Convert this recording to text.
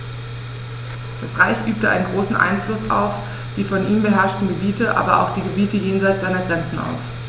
Das Reich übte einen großen Einfluss auf die von ihm beherrschten Gebiete, aber auch auf die Gebiete jenseits seiner Grenzen aus.